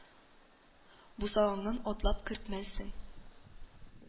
Бусагаңнан атлап кертмәссең.